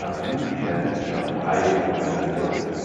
GNU Lizenz für freie Dokumentation